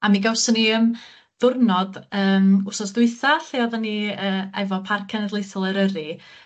A mi gawson ni yym ddiwrnod yym wsos dwytha lle oddan ni yy efo Parc Cenedlaethol Eryri